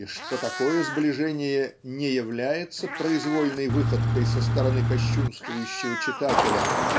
И что такое сближение не является произвольной выходкой со стороны кощунствующего читателя